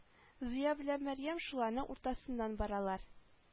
Зыя белән мәрьям шуларның уртасыннан баралар